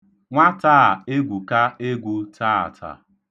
Nwata a egwuka egwu taata.